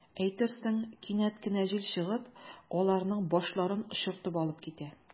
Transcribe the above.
Әйтерсең, кинәт кенә җил чыгып, аларның “башларын” очыртып алып китә.